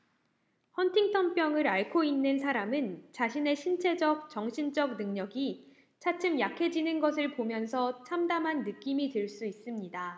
헌팅턴병을 앓고 있는 사람은 자기의 신체적 정신적 능력이 차츰 약해지는 것을 보면서 참담한 느낌이 들 수 있습니다